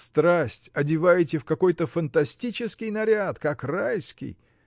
Страсть одеваете в какой-то фантастический наряд, как Райский.